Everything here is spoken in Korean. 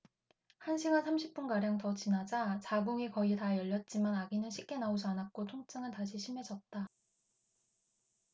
한 시간 삼십 분가량 더 지나자 자궁이 거의 다 열렸지만 아기는 쉽게 나오지 않았고 통증은 다시 심해졌다